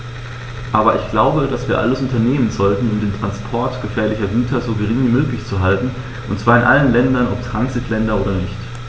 Aber ich glaube, dass wir alles unternehmen sollten, um den Transport gefährlicher Güter so gering wie möglich zu halten, und zwar in allen Ländern, ob Transitländer oder nicht.